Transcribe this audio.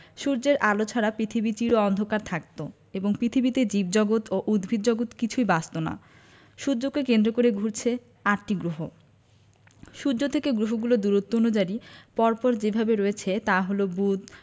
সূর্যের আলো ছাড়া পিথিবী চির অন্ধকার থাকত এবং পিথিবীতে জীবজগত ও উদ্ভিদজগৎ কিছুই বাঁচত না সূর্যকে কেন্দ্র করে ঘুরছে আটটি গ্রহ সূর্য থেকে গ্রহগুলো দূরত্ব অনুযারী পর পর যেভাবে রয়েছে তা হলো বুধ